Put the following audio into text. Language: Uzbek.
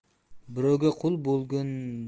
birovga qui bo'lgandan